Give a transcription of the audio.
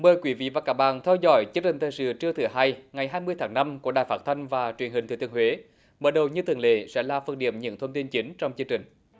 mời quý vị và các bạn theo dõi chương trình thời sự trưa thứ hai ngày hai mươi tháng năm của đài phát thanh và truyền hình thừa thiên huế mở đầu như thường lệ sẽ là phần điểm những thông tin chính trong chương trình